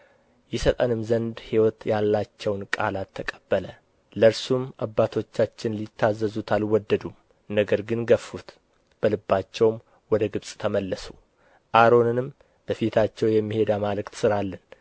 ይሰጠንም ዘንድ ሕይወት ያላቸውን ቃላት ተቀበለ ለእርሱም አባቶቻችን ሊታዘዙት አልወደዱም ነገር ግን ገፉት በልባቸውም ወደ ግብፅ ተመለሱ አሮንንም በፊታችን የሚሄዱ አማልክት ሥራልን